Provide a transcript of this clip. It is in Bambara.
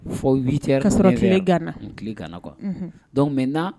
Foo 8 heures kaa sɔrɔ tile gana tile gana quoi unhun donc maintenant